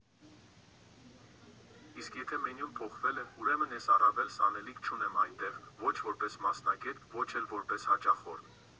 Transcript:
Իսկ եթե մենյուն փոխվել է, ուրեմն ես առավել ևս անելիք չունեմ այնտեղ՝ ոչ որպես մասնագետ, ոչ էլ որպես հաճախորդ։